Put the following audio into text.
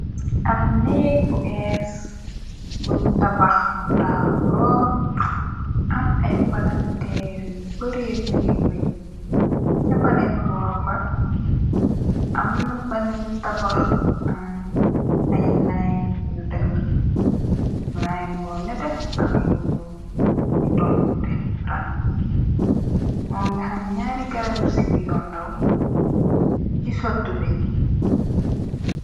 Ab neek bu ees buñu tabax mu taaru lool am ay palanteer yu bare bare bari ca baneen boor ba am na baneen tabax bu an ay lin yu dëngline bo nete ak yu ñu ñi toppunte ran moo nga xam ñaari garabu sibi yoon daw ci sottu be.